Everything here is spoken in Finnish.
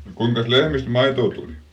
kuinkas lehmistä maitoa tuli